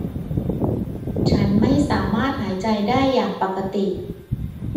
ฉันไม่สามารถหายใจได้อย่างปกติ